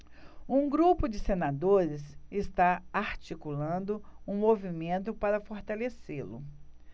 um grupo de senadores está articulando um movimento para fortalecê-lo